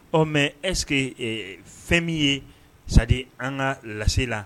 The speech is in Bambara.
Ɔ mɛ ɛseke que fɛn min ye sa an ka lasesi la